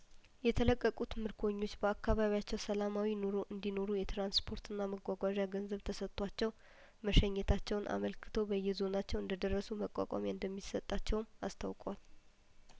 የተለቀቁት ምርኮኞች በአካባቢያቸው ሰላማዊ ኑሮ እንዲ ኖሩ የትራንስፖርትና መጓጓዣ ገንዘብ ተሰጥቷቸው መሸኘታቸውን አመልክቶ በየዞ ናቸው እንደደረሱ መቋቋሚያ እንደሚሰጣቸውም አስታውቋል